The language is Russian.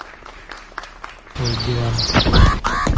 ой диван